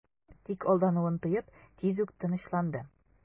Тик алдануын тоеп, тиз үк тынычланды...